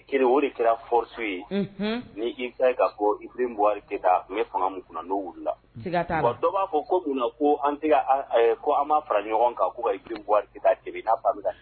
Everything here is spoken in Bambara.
Kele o de kɛra force ye, unhun, ni i filɛ k'a fɔ Ibrim Buakari Kayita, a tun bɛ fanga mun kɔnɔ n'o wullila, sika t'a la, wa dɔw b'a fɔ ko mun na an ma fara ɲɔgɔn kan ko ka Ibrim Bouakar kayita demɛn